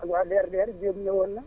ak waa DRDR Diène ñëwoon na